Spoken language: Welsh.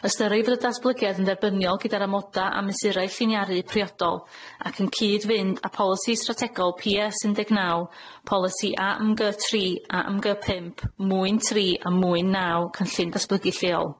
Ystyrir y datblygiad yn dderbyniol gyda'r amoda a mesyrau lliniaru priodol ac yn cyd-fynd â polisi strategol Pee Ess un deg naw polisi a m gy tri a m gy pump mwyn tri a mwyn naw cynllun datblygu lleol.